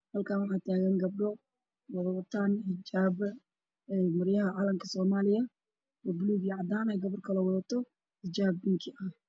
Halkaan waxaa taagan gabdho wato xijaabo maryaha calanka soomaaliya oo buluug iyo cadaan ah iyo gabar kaloo wadato xijaab bingi ah.